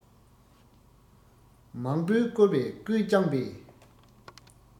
མང པོས བཀུར བས ཀུན བསྐྱངས པས